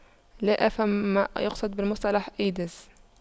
لا افهم ما يقصد بالمصطلح ايدز